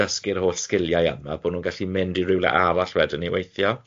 dysgu'r holl sgiliau yna, bo' nhw'n gallu mynd i rywle arall wedyn i weithio.